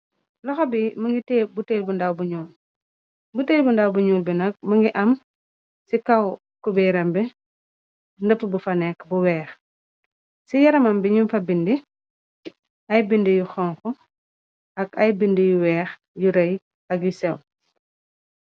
Loxa bi buteel bu ndaw bu ñuul. Buteel bi nag më ngi am ci kaw kubey rambe nëpp bu fa nekk bu weex. Ci yaramam bi ñu fa bindi ay bind yu xonk. Ak ay bind yu weex yu rëy ak yu sew.